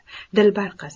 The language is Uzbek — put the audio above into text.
dilbar qiz